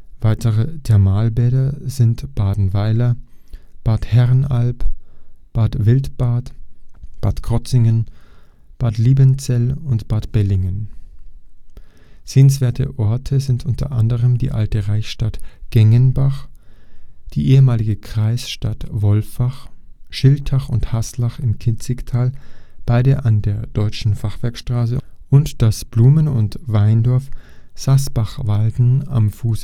Weitere Thermalbäder sind Badenweiler, Bad Herrenalb, Bad Wildbad, Bad Krozingen, Bad Liebenzell oder Bad Bellingen. Sehenswerte Orte sind unter anderem die alte Reichsstadt Gengenbach, die ehemalige Kreisstadt Wolfach, Schiltach und Haslach im Kinzigtal (beide an der deutschen Fachwerkstraße) und das Blumen - und Weindorf Sasbachwalden am Fuße